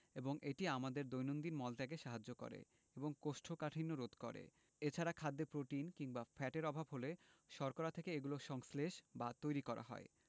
এবং এটি আমাদের দৈনন্দিন মল ত্যাগে সাহায্য করে এবং কোষ্ঠকাঠিন্য রোধ করে এছাড়া খাদ্যে প্রোটিন কিংবা ফ্যাটের অভাব হলে শর্করা থেকে এগুলো সংশ্লেষ বা তৈরী করা হয়